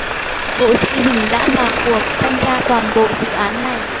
bộ xây dựng đã vào cuộc thanh tra toàn bộ dự án này